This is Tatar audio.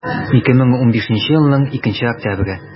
2015 елның 2 октябре